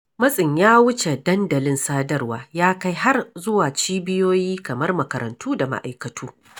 Matsin ya wuce dandalin sadarwa, ya kai har zuwa cibiyoyi kamar makarantu da ma'aikatu.